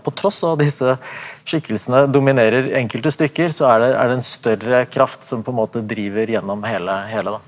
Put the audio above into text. på tross av at disse skikkelsene dominerer enkelte stykker så er det er det en større kraft som på en måte driver gjennom hele hele da.